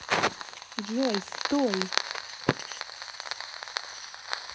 джой стой